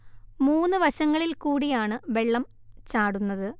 മൂന്നു വശങ്ങളിൽ കൂടിയാണ് വെള്ളം ചാടുന്നത്